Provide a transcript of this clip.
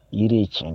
I ye tiɲɛ